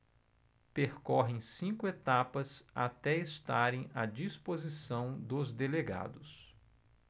percorrem cinco etapas até estarem à disposição dos delegados